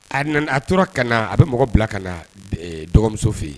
A nana a tora ka na a bɛ mɔgɔ bila ka na dɔgɔmuso fɛ yen.